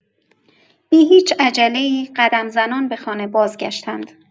بی‌هیچ عجله‌ای، قدم‌زنان به خانه بازگشتند.